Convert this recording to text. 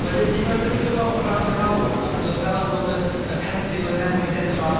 Wedyn, unwaith 'dyn ni'n gor'o' rafu lawr ma' mae o fel bod y y pendil yn newid, a...